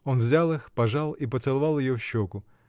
Он взял их, пожал и поцеловал ее в щеку.